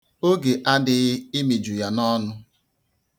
Oge adịghị ịmịju ya n'ọnụ.